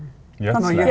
gjødsle.